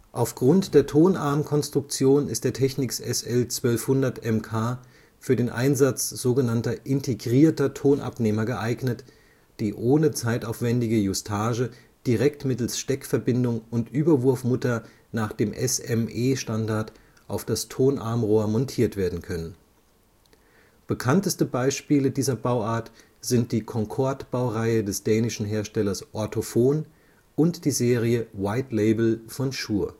Aufgrund der Tonarmkonstruktion ist der Technics SL-1200MKx für den Einsatz sogenannter „ integrierter “Tonabnehmer geeignet, die ohne zeitaufwändige Justage direkt mittels Steckverbindung und Überwurfmutter nach dem SME-Standard auf das Tonarmrohr montiert werden können. Bekannteste Beispiele dieser Bauart sind die Concorde-Baureihe des dänischen Herstellers Ortofon und die Serie White Label von Shure